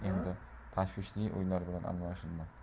quvonch endi tashvishli o'ylar bilan almashindi